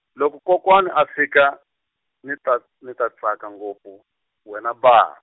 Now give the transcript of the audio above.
loko kokwana a fika, ni ta ni ta tsaka ngopfu, wena ba-.